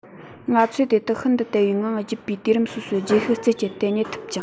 ང ཚོས དེ དག ཤིན དུ དལ བའི ངང བརྒྱུད པའི དུས རིམ སོ སོའི རྗེས ཤུལ རྩད བཅད དེ རྙེད ཐུབ ཅིང